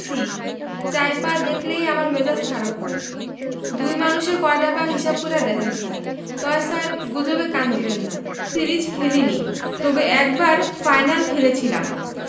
tournament জয়ের বড় সুযোগ নিয়ে তামিম বললেন অবশ্যই জেতার আশা করছি আমরা অবশ্য খুব বেশি ত্রিদেশীয় সিরিজ খেলেনি তবে একবার ফাইনাল খেলেছিলাম